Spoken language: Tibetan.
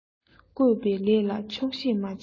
བཀོད པའི ལས ལ ཆོག ཤེས མ བྱས ན